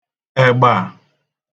ẹ̀gbà